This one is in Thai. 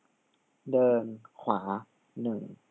เดินขวาหนึ่ง